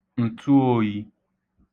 ǹtụōyī